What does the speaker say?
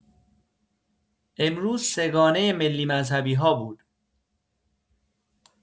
امروز سه‌گانه ملی مذهبی‌ها بود.